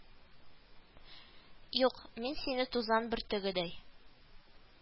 Юк, мин сине тузан бөртегедәй